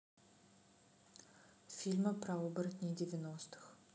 фильмы про оборотней девяностых